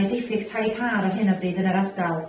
Mae diffyg tai hâ ar hyn o bryd yn yr ardal.